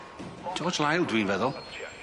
George Lyle dwi'n feddwl.